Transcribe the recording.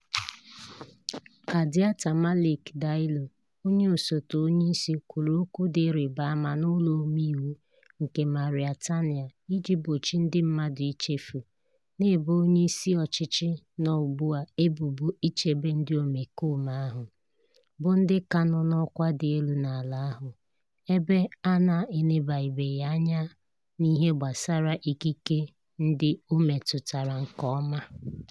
Kardiata Malick Diallo, onye osote onyeisi, kwuru okwu dị ịrịba ama n'ụlọ omeiwu nke Mauritania iji gbochie ndị mmadụ ichefu, na-ebo onye isi ọchịchị nọ ugbu a ebubo ichebe ndị omekome ahụ, bụ ndị ka nọ n'ọkwa dị elu n'ala ahụ ebe a na-elebanyebeghị anya n'ihe gbasara ikike ndị o metụtara nke ọma: